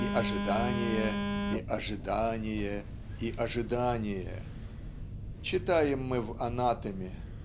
"И ожидание - и ожидание - и ожидание", - читаем мы в "Анатэме"